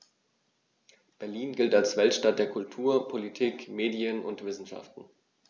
Berlin gilt als Weltstadt der Kultur, Politik, Medien und Wissenschaften.